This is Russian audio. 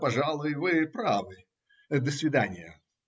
- Пожалуй, вы правы. До свидания.